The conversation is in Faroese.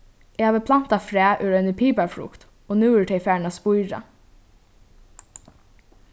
eg havi plantað fræ úr eini piparfrukt og nú eru tey farin at spíra